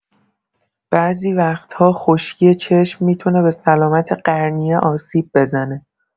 بعضی وقتا خشکی چشم می‌تونه به سلامت قرنیه آسیب بزنه.